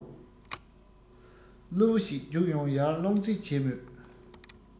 སློབ བུ ཞིག བརྒྱུགས ཡོང ཡར སློང རྩིས བྱས མོད